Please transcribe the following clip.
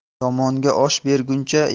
yomonga osh berguncha